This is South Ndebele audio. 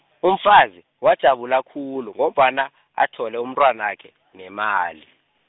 umfazi, wajabula khulu ngombana, athole umntwanakhe, nemali.